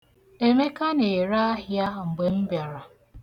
Emeka na-ere ahịa mgbe m bịara.